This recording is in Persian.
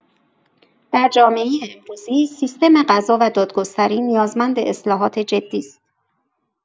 در جامعه امروزی، سیستم قضا و دادگستری نیازمند اصلاحات جدی است.